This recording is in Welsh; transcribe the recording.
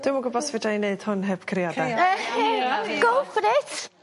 Dwi'm yn gwbo os fedra i neud hwn heb crio 'de? Go for it.